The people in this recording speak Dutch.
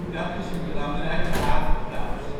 dat is een belangrijke havenplaats